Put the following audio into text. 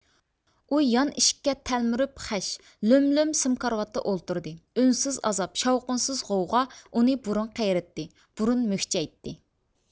ئۇ يان ئىشىككە تەلمۈرۈپ خەش لۆم لۆم سىم كارىۋاتتا ئولتۇردى ئۈنسىز ئازاب شاۋقۇنسىز غوۋغا ئۇنى بۇرۇن قېرىتتى بۇرۇن مۈكچەيتتى